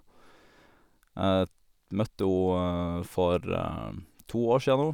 Møtte hun for to år sia nå.